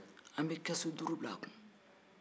an bɛ kɛsu duuru bila a kun